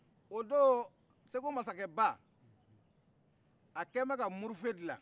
o do segu masakɛba a kɛmɛ ka murufe dilan